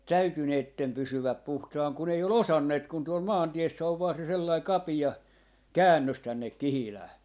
täytyi näiden pysyä puhtaana kun ei ole osanneet kun tuolla maantiessä on vain se sellainen kapea käännös tänne Kihilään